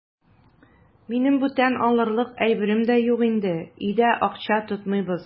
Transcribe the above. Минем бүтән алырлык әйберем дә юк инде, өйдә акча тотмыйбыз.